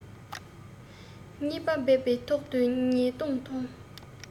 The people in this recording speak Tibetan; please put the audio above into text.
གཉིས པ བེས པའི ཐོག ཏུ ཉེས རྡུང ཐོང